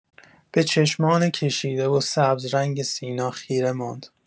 به چشمان کشیده و سبزرنگ سینا خیره ماند.